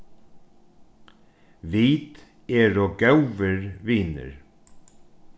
vit eru góðir vinir